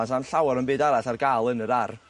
pan sa'm llawar o'm byd arall ar ga'l yn yr ar'.